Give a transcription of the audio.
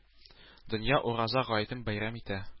Дөнья Ураза гаетен бәйрәм итә